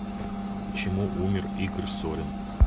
почему умер игорь сорин